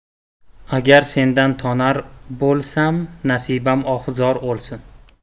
agar sendin tonar bo'lsam nasibam ohu zor o'lsun